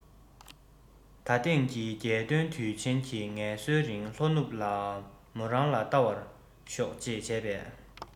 ད ཐེངས ཀྱི རྒྱལ སྟོན དུས ཆེན གྱི ངལ གསོའི རིང ལྷོ ནུབ ལ མོ རང ལ བལྟ བར ཤོག ཅེས བྱས པས